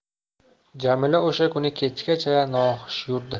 jamila o'sha kuni kechgacha noxush yurdi